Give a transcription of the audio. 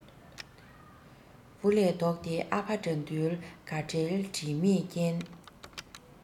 བུ ལས ལྡོག སྟེ ཨ ཕ དགྲ འདུལ ག བྲེལ འདྲིས མེད རྐྱེན